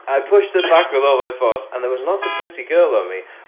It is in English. I pushed her back with all my force and there was not a pretty girl on me